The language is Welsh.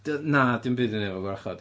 Na dim byd i wneud efo gwrachod.